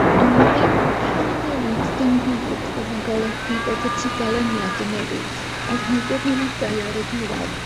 o'n i ddim yn ca'l newid dim byd fydda'n golygu bod y tudaleniad yn newid, o'dd rhaid i'r mynegai ar y diwadd